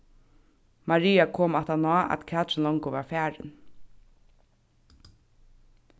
maria kom aftan á at katrin longu var farin